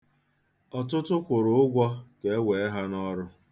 Ọtụtụ kwụrụ ụgwọ ka e wee ha n'ọrụ.